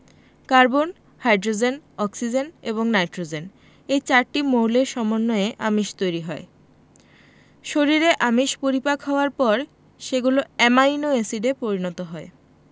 carbon hydrogen oxygen এবং nitrogen এ চারটি মৌলের সমন্বয়ে আমিষ তৈরি হয় শরীরে আমিষ পরিপাক হওয়ার পর সেগুলো অ্যামাইনো এসিডে পরিণত হয়